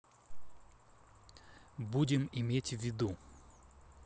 будем иметь ввиду